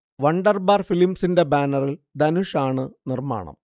Wunderbar ഫിലിംസിൻെറ ബാനറിൽ ധനുഷ് ആണ് നിർമ്മാണം